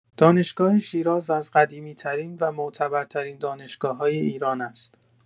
دانشگاه شیراز از قدیمی‌ترین و معتبرترین دانشگاه‌‌های ایران است.